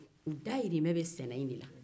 u dahirimɛ bɛ sɛnɛ in de la